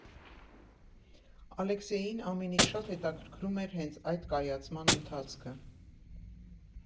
Ալեքսեյին ամենից շատ հետաքրքիր էր հենց այդ կայացման ընթացքը։